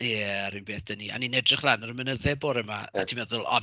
Ie, yr un peth 'da ni. O'n i'n edrych lan ar y mynydde bore yma, a ti'n meddwl, "o".